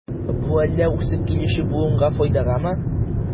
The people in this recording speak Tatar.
Бу әллә үсеп килүче буынга файдагамы?